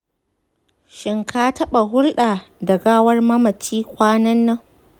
shin ka taɓa hulɗa da gawar mamaci kwanan nan?